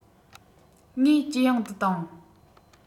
ངེས ཇེ ཡང དུ བཏང